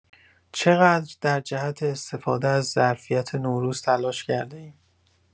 چقدر در جهت استفاده از ظرفیت نوروز تلاش کرده‌ایم؟